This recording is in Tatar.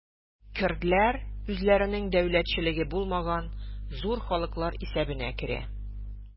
Көрдләр үзләренең дәүләтчелеге булмаган зур халыклар исәбенә керә.